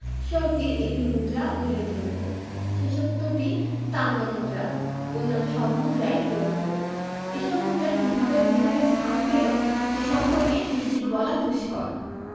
শর্কীর একটি মুদ্রা উল্লেখযোগ্য শেষোক্তটি তাম্রমুদ্রা অন্যান্য সব মুদ্রাই রৌপ্য এসব মুদ্রা কিভাবে বিহারে স্থান পেল সে সম্পর্কে নিশ্চিত বলা দুষ্কর